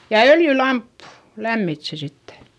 ja öljylamppu lämmitti sen sitten